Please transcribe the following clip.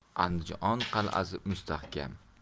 andijon qalasi mustahkam